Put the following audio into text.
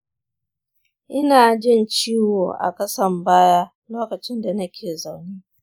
ina jin ciwo a ƙasan baya lokacin da nake zaune.